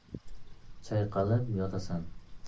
chayqalib yotasan